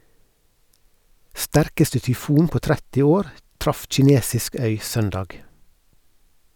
Sterkeste tyfon på 30 år traff kinesisk øy søndag.